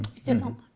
ikke sant.